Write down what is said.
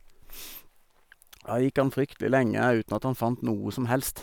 Da gikk han fryktelig lenge uten at han fant noe som helst.